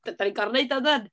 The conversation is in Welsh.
d- dan ni'n gorfod wneud o yndan.